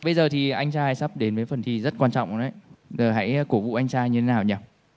bây giờ thì anh trai sắp đến với phần thi rất quan trọng rồi đấy hãy cổ vũ anh trai như thế nào nhờ